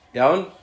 Iawn?